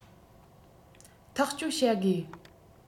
ཐག གཅོད བྱ དགོས